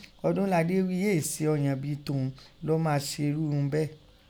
Odunlade ghíi é è se ọ̀ǹyan bí i t'òun lọ́ máa serú ihun bẹẹ.